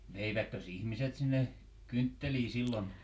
veivätkös ihmiset sinne kyntteliä silloin